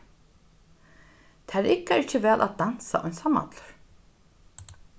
tað riggar ikki væl at dansa einsamallur